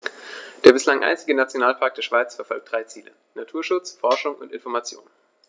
Der bislang einzige Nationalpark der Schweiz verfolgt drei Ziele: Naturschutz, Forschung und Information.